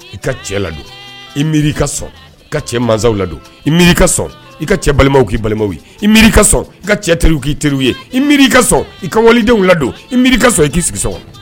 I ka cɛ ladon i miiri i ka sɔn ka cɛ mansaw la don i miiri ka sɔn i ka cɛ balimaw k'i balimaw ye i miiri ka sɔn i ka cɛ teriw k'i teri ye i miiri i ka sɔn i ka waledenww la don i miiri ka sɔn i k'i sigi so